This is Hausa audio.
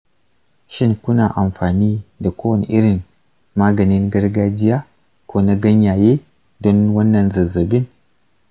shin kuna amfani da kowane irin maganin gargajiya ko na ganyaye don wannan zazzabin?